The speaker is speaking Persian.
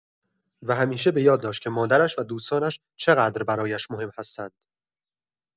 و همیشه بۀاد داشت که مادرش و دوستانش چقدر برایش مهم هستند.